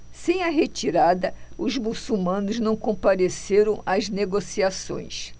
sem a retirada os muçulmanos não compareceram às negociações